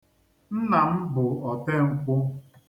Nna m bụ otenkwu.